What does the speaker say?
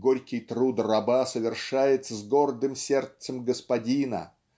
горький труд раба совершает с гордым сердцем господина